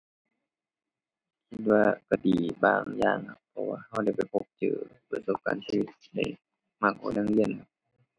คิดว่าก็ดีบางอย่าง เพราะว่าก็ได้ไปพบเจอประสบการณ์ชีวิตได้มากกว่าในโรงเรียน